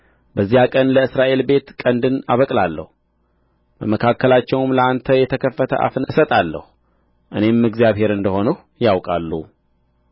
በዚያ ቀን ለእስራኤል ቤት ቀንድን አበቅላለሁ በመካከላቸውም ለአንተ የተከፈተ አፍን እሰጣለሁ እኔም እግዚአብሔር እንደ ሆንሁ ያውቃሉ